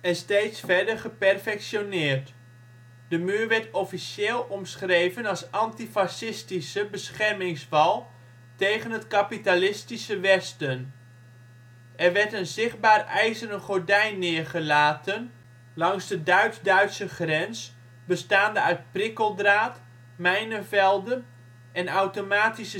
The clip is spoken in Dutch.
steeds verder geperfectioneerd. De muur werd officieel omschreven als antifascistische beschermingswal tegen het kapitalistische Westen. Er werd een zichtbaar IJzeren Gordijn neergelaten langs de Duits-Duitse grens, bestaande uit prikkeldraad, mijnenvelden en automatische